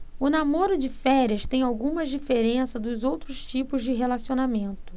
o namoro de férias tem algumas diferenças dos outros tipos de relacionamento